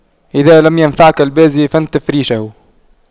إذا لم ينفعك البازي فانتف ريشه